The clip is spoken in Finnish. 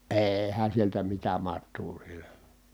eihän sieltä mitään matoa siellä